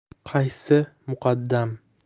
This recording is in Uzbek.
qaysi muqaddam